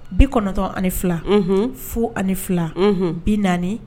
Bi kɔnɔntɔn ani fila fo ani fila bi naani